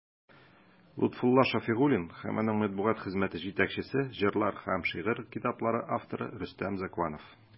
Лотфулла Шәфигуллин һәм аның матбугат хезмәте җитәкчесе, җырлар һәм шигырь китаплары авторы Рөстәм Зәкуанов.